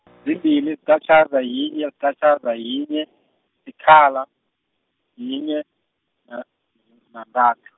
zimbili, liqatjhaza, yinye, liqatjhaza, yinye, sikhala, yinye, na- nanthathu.